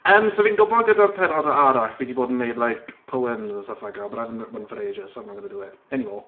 Yym, so fi'n gwbod gyda'r pennodau arall fi 'di bod yn wneud, like, poems and stuff like that. But I haven't written one for ages so I'm not going to do it, anymore.